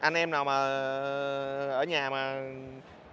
anh em nào mà ở nhà